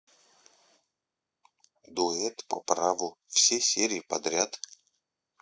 дуэт по праву все серии подряд